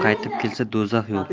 qaytib kelsa do'zax yo'q